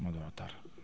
nga doog a tar